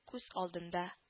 Күз алдында